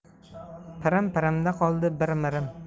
pirim pirimda qoldi bir mirim